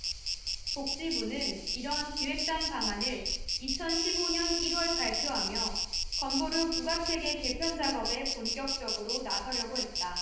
복지부는 이런 기획단 방안을 이천 십 오 년 일 월 발표하며 건보료 부과체계 개편작업에 본격적으로 나서려고 했다